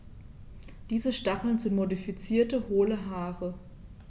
Diese Stacheln sind modifizierte, hohle Haare.